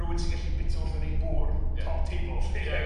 Rhywun sy'n gallu bita wrth yr un bwr'. Ia. Top table 'lly. Ia ia.